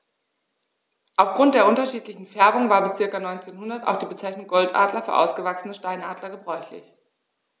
Auf Grund der unterschiedlichen Färbung war bis ca. 1900 auch die Bezeichnung Goldadler für ausgewachsene Steinadler gebräuchlich.